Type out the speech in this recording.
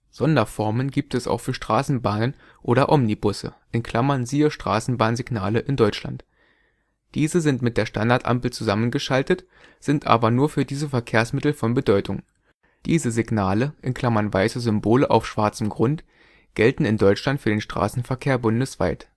Sonderformen gibt es auch für Straßenbahnen oder Omnibusse (siehe Straßenbahnsignale in Deutschland). Diese sind mit der Standardampel zusammengeschaltet, sind aber nur für diese Verkehrsmittel von Bedeutung. Diese Signale (weiße Symbole auf schwarzem Grund) gelten in Deutschland für den Straßenbahnverkehr bundesweit